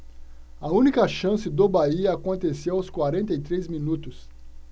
a única chance do bahia aconteceu aos quarenta e três minutos